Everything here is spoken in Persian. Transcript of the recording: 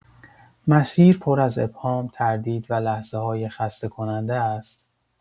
مسیر پر از ابهام، تردید و لحظه‌های خسته‌کننده است.